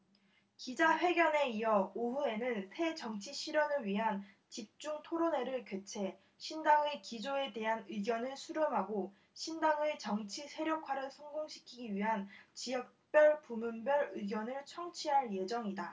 기자회견에 이어 오후에는 새정치 실현을 위한 집중 토론회를 개최 신당의 기조에 대한 의견을 수렴하고 신당의 정치 세력화를 성공시키기 위한 지역별 부문별 의견을 청취할 예정이다